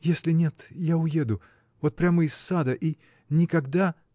Если нет — я уеду — вот прямо из сада и никогда.